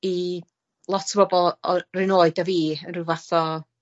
i lot o bobol o'r 'run oed â fi yn ryw fath o